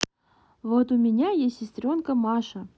вот у меня есть сестренка маша